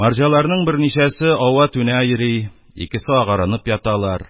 Марҗаларның берничәсе ава-түнә йөри, икесе агарынып яталар.